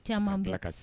Caman an bila ka